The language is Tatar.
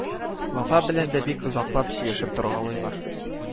Вафа белән дә бик озаклап сөйләшеп торгалыйлар